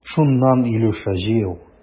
Шуннан, Илюша, җыел.